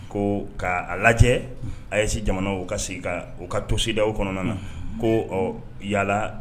Ko k' a lajɛ a yese jamana ka sigi u ka tosida o kɔnɔna na ko ɔ yalala